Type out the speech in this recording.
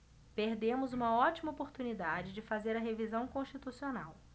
perdemos uma ótima oportunidade de fazer a revisão constitucional